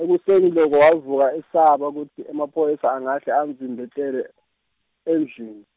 ekuseni lokwa wavuka esaba kutsi emaphoyisa angahle amvimbetele, endlini.